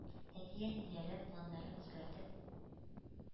Әти-әниләре, планнарын үзгәртеп,